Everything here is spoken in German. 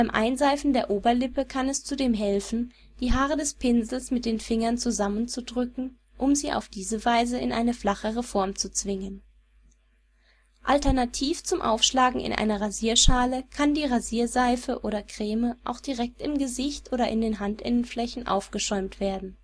Einseifen der Oberlippe kann es zudem helfen, die Haare des Pinsels mit den Fingern zusammenzudrücken, um sie auf diese Weise in eine flachere Form zu zwingen. Alternativ zum Aufschlagen in einer Rasierschale kann die Rasierseife oder - creme auch direkt im Gesicht oder in der Handinnenfläche aufgeschäumt werden